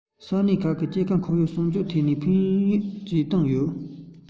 ས གནས ཁག གི སྐྱེ ཁམས ཁོར ཡུག སྲུང སྐྱོང ཐད ཀྱི ཕན ཡོད བྱེད སྟངས ཡོད